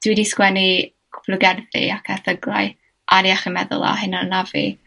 Dwi 'di sgwennu cwpwl o gerddi ac erthyglau ar iechyd meddwl a hunan anafu